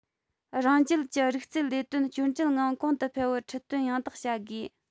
རང རྒྱལ གྱི རིག རྩལ ལས དོན སྐྱོན བྲལ ངང གོང དུ འཕེལ བར ཁྲིད སྟོན ཡང དག བྱ དགོས